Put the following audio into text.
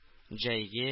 Җәйге